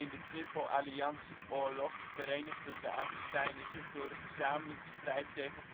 de Tripple Alliantie-oorlog verenigden de Argentijnen zich door de gezamenlijke strijd tegen